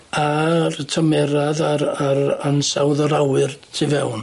a'r tymeradd a'r a'r ansawdd yr awyr tu fewn.